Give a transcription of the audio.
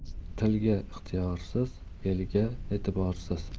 tilga ixtiyorsiz elga e'tiborsiz